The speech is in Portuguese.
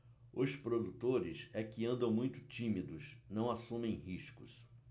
os produtores é que andam muito tímidos não assumem riscos